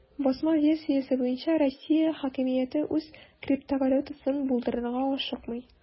Басма версиясе буенча, Россия хакимияте үз криптовалютасын булдырырга ашыкмый.